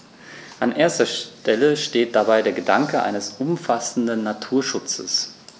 An erster Stelle steht dabei der Gedanke eines umfassenden Naturschutzes.